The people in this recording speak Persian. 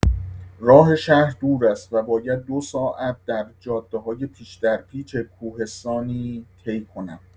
راه شهر دور است و باید دو ساعت در جاده‌های پیچ در پیچ کوهستانی طی کنم.